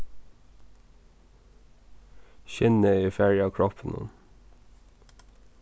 skinnið er farið av kroppinum